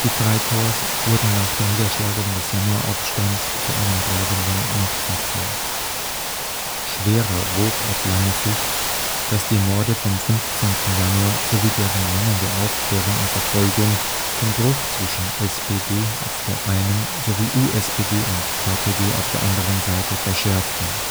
Freikorps wurden nach der Niederschlagung des Januaraufstands zu einem bleibenden Machtfaktor. Schwerer wog auf lange Sicht, dass die Morde vom 15. Januar sowie deren mangelnde Aufklärung und Verfolgung den Bruch zwischen SPD auf der einen sowie USPD und KPD auf der anderen Seite verschärften